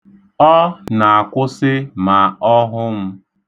Ọ na-akwụsị ma ọ hụ m.